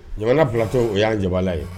Jamana filatɔ o y'an ja ye